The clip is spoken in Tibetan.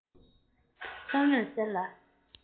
ལྷང ངེར གསལ ལ